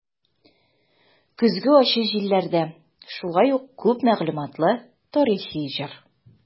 "көзге ачы җилләрдә" шулай ук күп мәгълүматлы тарихи җыр.